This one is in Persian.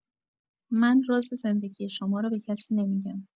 من راز زندگی شما رو به کسی نمی‌گم